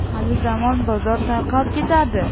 hali zamon bozor tarqab ketadi